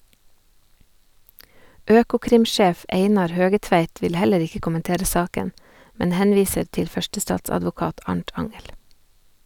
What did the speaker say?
Økokrim-sjef Einar Høgetveit vil heller ikke kommentere saken, men henviser til førstestatsadvokat Arnt Angell.